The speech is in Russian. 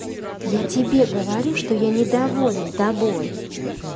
я тебе говорю что я недоволен тобой